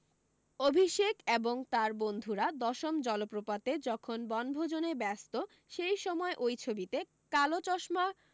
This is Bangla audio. অভিষেক এবং তার বন্ধুরা দশম জলপ্রপাতে যখন বনভোজনে ব্যস্ত সেই সময় ওই ছবিতে কালো চশমা